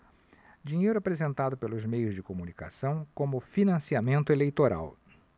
dinheiro apresentado pelos meios de comunicação como financiamento eleitoral